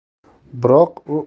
biroq u uxlamagan